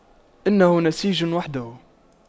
إنه نسيج وحده